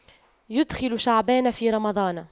يُدْخِلُ شعبان في رمضان